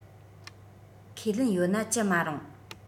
ཁས ལེན ཡོད ན ཅི མ རུང